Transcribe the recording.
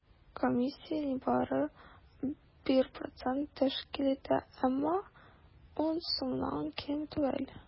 Комиссия нибары 1 процент тәшкил итә, әмма 10 сумнан ким түгел.